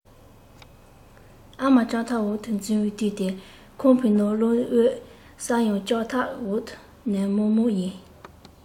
ཨ མ ལྕགས ཐབ འོག ཏུ འཛུལ བའི དུས དེར ཁང པའི ནང གློག འོད གསལ ཡང ལྕགས ཐབ འོག ཏུ ནག མོག མོག ཡིན